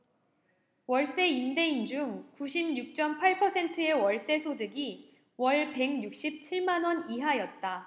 월세 임대인 중 구십 육 쩜 팔 퍼센트의 월세소득이 월 백 육십 칠 만원 이하였다